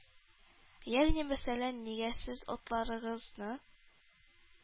Ягъни мәсәлән, нигә сез атларыгызны